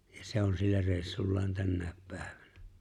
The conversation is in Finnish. ja se on sillä reissullaan tänäkin päivänä